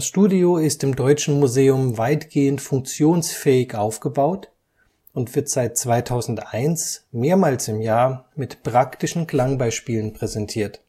Studio ist im Deutschen Museum weitgehend funktionsfähig aufgebaut und wird seit 2001 mehrmals im Jahr mit praktischen Klangbeispielen präsentiert.